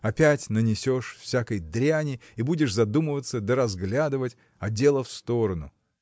Опять нанесешь всякой дряни и будешь задумываться да разглядывать а дело в сторону.